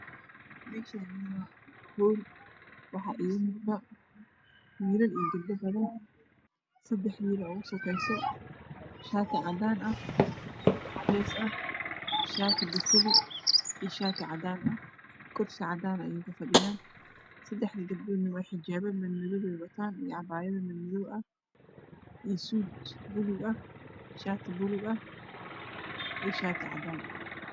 Meeshaani waa hool waxaa iiga muuqda wiilal iyo gabdho badan sadex wiil oo usokayso shaati cadaan ah iyo suud cadys ah shaati badali iyo shaati cadaan ah kursi cadaan ayey ku fadhiyan sadexda gabdhoodna xijabo madmadow iyo cabaayado madmadow ah iyo suud buluug ah saati buluug ah iyo shaati cadaan